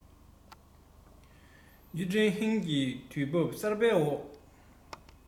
ཡུས ཀྲེང ཧྲེང གིས དུས བབ གསར པའི འོག